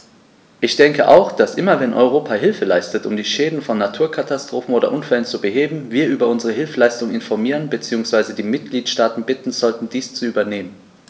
Ich denke auch, dass immer wenn Europa Hilfe leistet, um die Schäden von Naturkatastrophen oder Unfällen zu beheben, wir über unsere Hilfsleistungen informieren bzw. die Mitgliedstaaten bitten sollten, dies zu übernehmen.